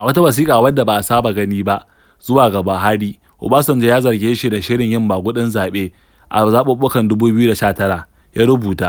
A wata wasiƙa wadda ba a saba gani ba zuwa ga Buhari, Obasanjo ya zarge shi da shirin yin maguɗin zaɓe a zaɓuɓɓukan 2019. Ya rubuta: